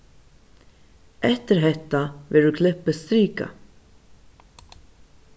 eftir hetta verður klippið strikað